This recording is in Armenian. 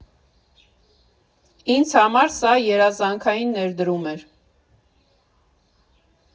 Ինձ համար սա երազանքային ներդրում էր։